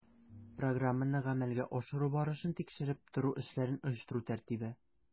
Программаны гамәлгә ашыру барышын тикшереп тору эшләрен оештыру тәртибе